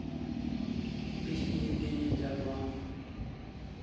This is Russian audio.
песня евгения дятлова